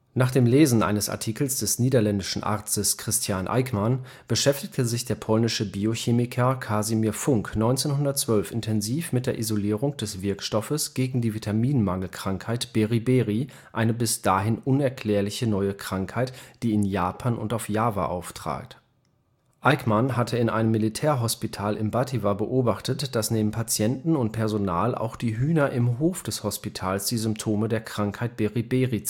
Nach dem Lesen eines Artikels des niederländischen Arztes Christiaan Eijkman beschäftigte sich der polnische Biochemiker Casimir Funk 1912 intensiv mit der Isolierung des Wirkstoffes gegen die Vitaminmangelkrankheit Beri-Beri, eine bis dahin unerklärliche neue Krankheit, die in Japan und auf Java auftrat. Eijkman hatte in einem Militärhospital in Batavia beobachtet, dass neben Patienten und Personal auch die Hühner im Hof des Hospitals die Symptome der Krankheit Beri-Beri